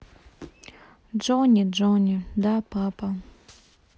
джонни джонни да папа